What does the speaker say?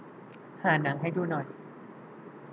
หาหนังให้ดูหน่อย